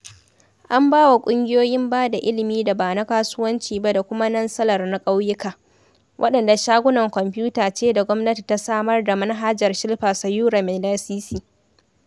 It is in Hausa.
An ba wa ƙungiyoyin ba da ilimi da ba na kasuwanci ba da kuma Nansalar na ƙauyuka, waɗanda shagunan kwanfuta ce da gwamnati ta samar da manhajar Shilpa Sayura mai lasisi.